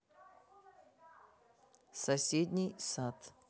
соседний сад